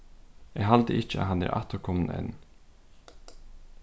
eg haldi ikki at hann er afturkomin enn